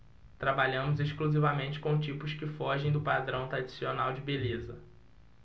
trabalhamos exclusivamente com tipos que fogem do padrão tradicional de beleza